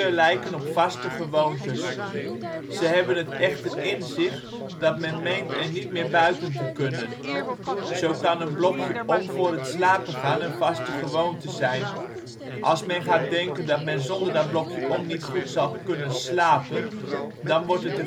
lijken op vaste gewoontes. Ze hebben het echter in zich dat men meent er niet meer buiten te kunnen. Zo kan een blokje om voor het slapen gaan een vaste gewoonte zijn. Als men gaat denken dat men zonder dat blokje om niet goed zal kunnen slapen, dan wordt het